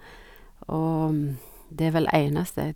Og det er vel eneste.